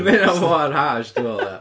Ma' hynna mor harsh dwi'n meddwl, ia.